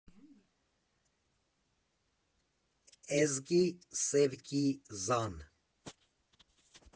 Էզկի Սէվկի Զան։